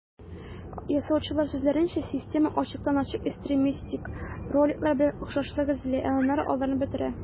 Ясаучылар сүзләренчә, система ачыктан-ачык экстремистик роликлар белән охшашлыкны эзли, ә аннары аларны бетерә.